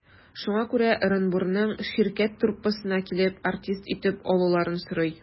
Шуңа күрә Ырынбурның «Ширкәт» труппасына килеп, артист итеп алуларын сорый.